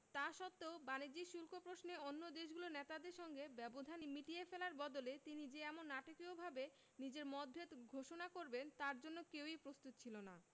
তা সত্ত্বেও বাণিজ্য শুল্ক প্রশ্নে অন্য দেশগুলোর নেতাদের সঙ্গে ব্যবধান মিটিয়ে ফেলার বদলে তিনি যে এমন নাটকীয়ভাবে নিজের মতভেদ ঘোষণা করবেন তার জন্য কেউই প্রস্তুত ছিল না